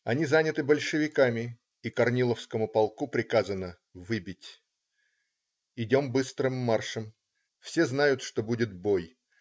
Они заняты большевиками, и Корниловскому полку приказано: выбить. Идем быстрым маршем. Все знают, что будет бой.